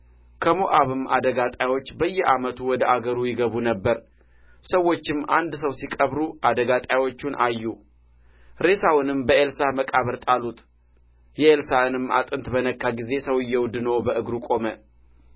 ከሞዓብም አደጋ ጣዮች በየዓመቱ ወደ አገሩ ይገቡ ነበር ሰዎችም አንድ ሰው ሲቀብሩ አደጋ ጣዮችን አዩ ሬሳውንም በኤልሳዕ መቃብር ጣሉት የኤልሳዕንም አጥንት በነካ ጊዜ ሰውዮው ድኖ በእግሩ ቆመ